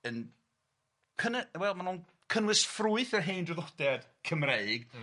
yn cyny- wel ma' nw'n cynnwys ffrwyth yr hen draddodiad Cymreig... Yndy...